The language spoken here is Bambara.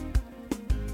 Sanunɛ